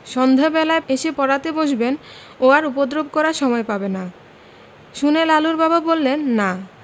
সন্ধ্যেবেলায় এসে পড়াতে বসবেন ও আর উপদ্রব করবার সময় পাবে না শুনে লালুর বাবা বললেন না